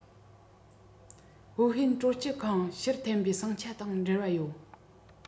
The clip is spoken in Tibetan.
ཝུའུ ཧན སྤྲོ སྐྱིད ཁང ཕྱིར འཐེན པའི ཟིང ཆ དང འབྲེལ བ ཡོད